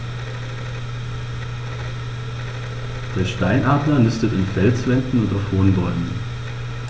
Der Steinadler nistet in Felswänden und auf hohen Bäumen.